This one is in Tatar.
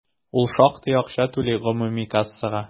Ул шактый акча түли гомуми кассага.